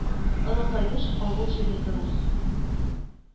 Олы Кайбыч авыл җирлеге рус